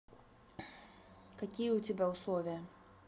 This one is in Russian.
какие а какие у тебя условия